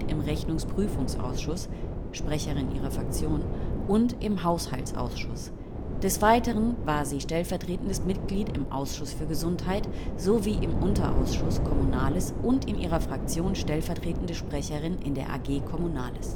Rechnungsprüfungsausschuss (Sprecherin ihrer Fraktion) und im Haushaltsausschuss. Des Weiteren war sie stellvertretendes Mitglied im Ausschuss für Gesundheit sowie im Unterausschuss Kommunales und in ihrer Fraktion stellvertretende Sprecherin in der AG Kommunales